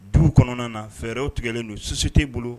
Dugu kɔnɔna na fɛɛrɛw tigɛlen don susite bolo